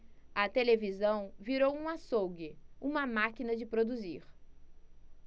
a televisão virou um açougue uma máquina de produzir